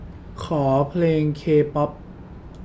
ขอเพลงเคป๊อป